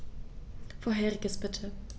Vorheriges bitte.